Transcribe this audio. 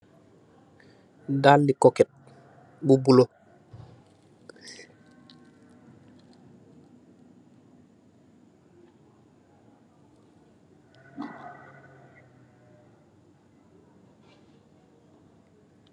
Daali koket, bu buleuh.